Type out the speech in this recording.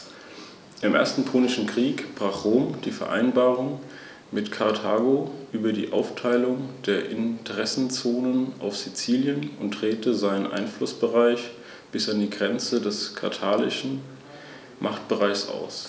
Über das Ansehen dieser Steuerpächter erfährt man etwa in der Bibel.